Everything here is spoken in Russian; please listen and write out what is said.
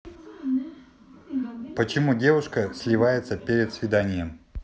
почему девушка сливается перед свиданием